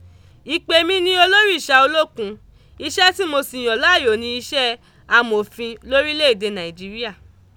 Ìpè mi ni Olórìṣà olókun, iṣẹ́ tí mo sì yàn láàyò ni iṣẹ́ Amòfin lóríléèdè Nàìjíríà.